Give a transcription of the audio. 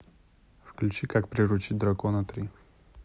включи как приручить дракона три